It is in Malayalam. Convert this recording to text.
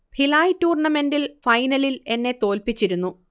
ഭിലായ് ടൂർണമെൻിൽ ഫൈനലിൽ എന്നെ തോൽപ്പിച്ചിരുന്നു